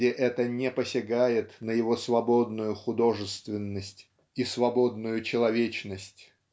где это не посягает на его свободную художественность и свободную человечность.